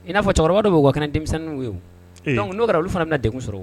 N'a cɛkɔrɔba bɛo wa kɛ kɛnɛ denmisɛnninw ye n' kɛra olu fana bɛna de sɔrɔ